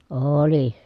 oli